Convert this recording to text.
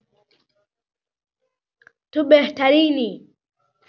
تو بهترینی.